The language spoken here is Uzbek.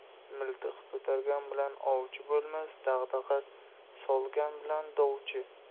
miltiq ko'targan bilan ovchi bo'lmas dag'dag'a solgan bilan dovchi